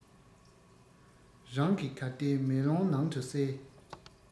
རང གིས གར བལྟས མེ ལོང ནང དུ གསལ